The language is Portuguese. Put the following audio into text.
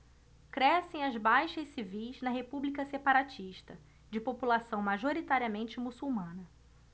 crescem as baixas civis na república separatista de população majoritariamente muçulmana